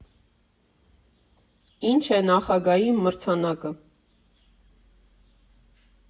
Ի՞նչ է Նախագահի մրցանակը։